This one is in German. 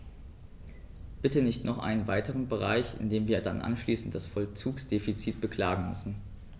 Bitte nicht noch einen weiteren Bereich, in dem wir dann anschließend das Vollzugsdefizit beklagen müssen.